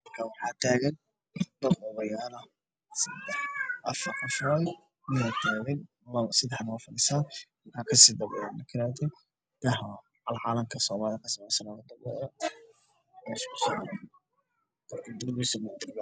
Heshaan waxaa taagan oday wato koofi shati cimaamad waxaa ka dambeeyo calanka soomaaliya